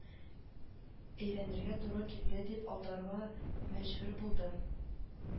Өйрәнергә туры килде, дип алдарга мәҗбүр булдым